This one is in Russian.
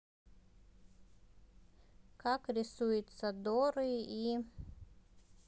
как рисуется доры и